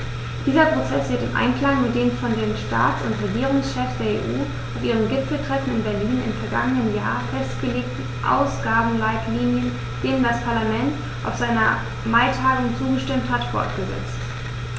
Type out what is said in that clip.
Dieser Prozess wird im Einklang mit den von den Staats- und Regierungschefs der EU auf ihrem Gipfeltreffen in Berlin im vergangenen Jahr festgelegten Ausgabenleitlinien, denen das Parlament auf seiner Maitagung zugestimmt hat, fortgesetzt.